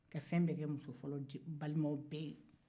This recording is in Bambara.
ka fɛn bɛɛ kɛ musofɔlɔ balimaw bɛɛ ye